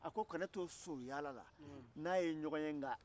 an ka den lamon ni lamon ko ɲumanya ye